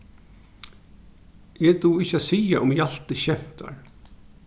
eg dugi ikki at siga um hjalti skemtar